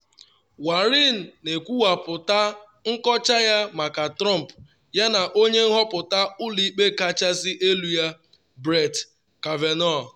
Warren na-ekwuwapụta nkọcha ya maka Trump yana onye nhọpụta Ụlọ Ikpe Kachasị Elu ya, Brett Kavanaugh.